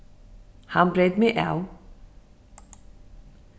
hann breyt meg av